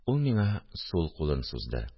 Ул миңа сул кулын сузды